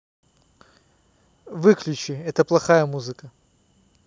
выключи это плохая музыка